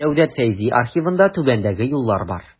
Җәүдәт Фәйзи архивында түбәндәге юллар бар.